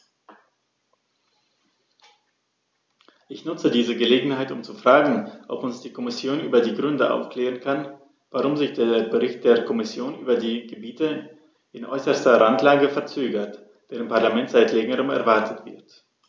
Ich nutze diese Gelegenheit, um zu fragen, ob uns die Kommission über die Gründe aufklären kann, warum sich der Bericht der Kommission über die Gebiete in äußerster Randlage verzögert, der im Parlament seit längerem erwartet wird.